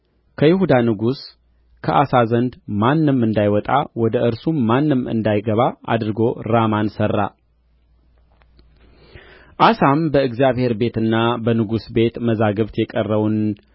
ከይሁዳ ንጉሥ ከአሳ ዘንድ ማንም እንዳይወጣ ወደ እርሱም ማንም እንዳይገባ አድርጎ ራማን ሠራ አሳም በእግዚአብሔር ቤትና በንጉሥ ቤት መዛግብት የቀረውን